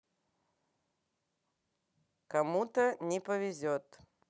кому то не повезет